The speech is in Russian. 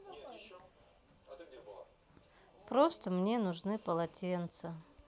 просто мне нужны полотенца